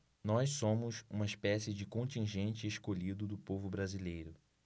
nós somos uma espécie de contingente escolhido do povo brasileiro